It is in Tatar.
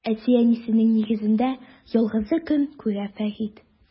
Әти-әнисенең нигезендә ялгызы көн күрә Фәрид.